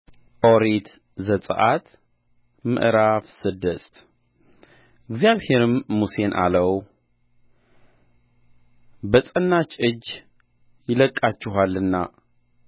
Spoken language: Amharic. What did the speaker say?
ኦሪት ዘጽአት ምዕራፍ ስድስት እግዚአብሔርም ሙሴን አለው በጸናች እጅ ይለቅቃችኋልና